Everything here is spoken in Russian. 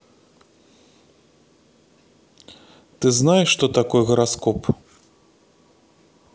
ты знаешь что такое гороскоп